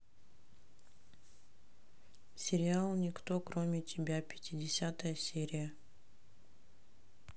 сериал никто кроме тебя пятидесятая серия